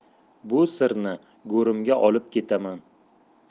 bu sirni go'rimga olib ketaman